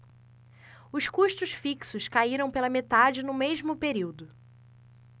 os custos fixos caíram pela metade no mesmo período